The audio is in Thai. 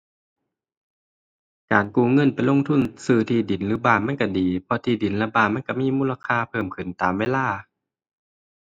การกู้เงินไปลงทุนซื้อที่ดินหรือบ้านมันก็ดี เพราะที่ดินและบ้านมันก็มีมูลค่าเพิ่มขึ้นตามเวลา